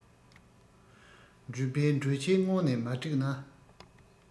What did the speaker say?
འགྲུལ པས འགྲོ ཆས སྔུན ནས མ བསྒྲིགས ན